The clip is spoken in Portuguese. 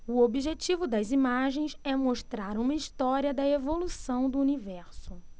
o objetivo das imagens é mostrar uma história da evolução do universo